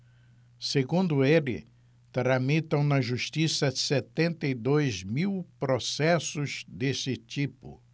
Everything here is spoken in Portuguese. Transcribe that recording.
segundo ele tramitam na justiça setenta e dois mil processos desse tipo